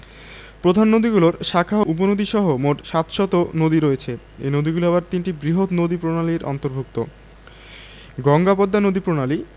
প্রধান নদীগুলোর শাখা ও উপনদীসহ মোট প্রায় ৭০০ নদী রয়েছে এই নদীগুলো আবার তিনটি বৃহৎ নদীপ্রণালীর